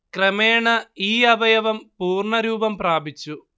ക്രമേണ ഈ അവയവം പൂർണ്ണ രൂപം പ്രാപിച്ചു